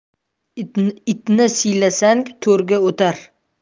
itni siylasang to'rga o'tar